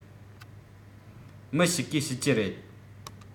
མི ཞིག གིས ཤེས ཀྱི རེད